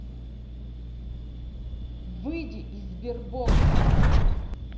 выйди из сбербокса